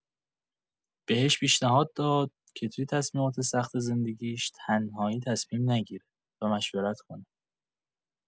بهش پیشنهاد داد که توی تصمیمات سخت زندگیش تنهایی تصمیم نگیره و مشورت کنه.